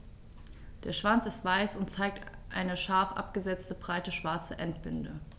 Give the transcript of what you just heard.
Der Schwanz ist weiß und zeigt eine scharf abgesetzte, breite schwarze Endbinde.